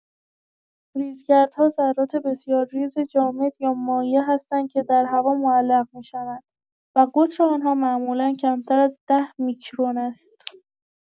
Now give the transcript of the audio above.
ریزگردها ذرات بسیار ریز جامد یا مایع هستند که در هوا معلق می‌شوند و قطر آن‌ها معمولا کمتر از ۱۰ میکرون است.